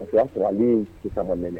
O tila fɔra ni sisansa mɛnɛnɛ